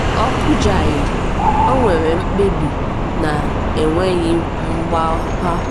Ọ kụjaghị, ọ nwere mkpebi, na enweghị mgbagha.”